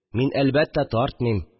Мин, әлбәттә, тартмыйм